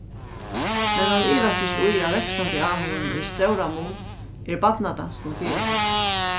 men hann ivast ikki í at vaksandi áhugin í stóran mun er barnadansinum fyri at takka